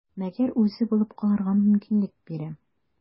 Мәгәр үзе булып калырга мөмкинлек бирә.